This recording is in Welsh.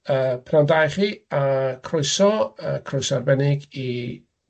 Yy, pnawn da i chi, a croeso yy croeso arbennig i...